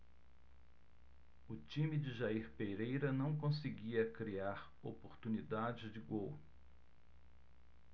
o time de jair pereira não conseguia criar oportunidades de gol